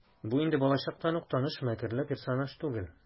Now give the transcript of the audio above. Бу инде балачактан ук таныш мәкерле персонаж түгел.